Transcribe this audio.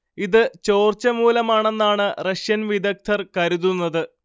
ഇത് ചോർച്ച മൂലമാണെന്നാണ് റഷ്യൻ വിദഗ്ദ്ധർ കരുതുന്നത്